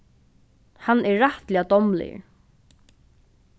hann er rættiliga dámligur